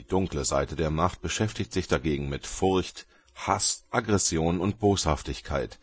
dunkle Seite der Macht beschäftigt sich dagegen mit Furcht, Hass, Aggression und Boshaftigkeit;